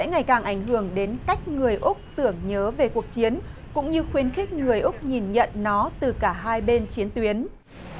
sẽ ngày càng ảnh hưởng đến cách người úc tưởng nhớ về cuộc chiến cũng như khuyến khích người úc nhìn nhận nó từ cả hai bên chiến tuyến